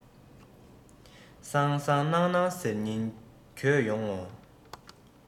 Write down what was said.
སང སང གནངས གནངས ཟེར གྱིན འགྱོད ཡོང ངོ